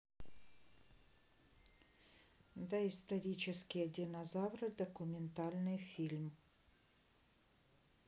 доисторические динозавры документальный фильм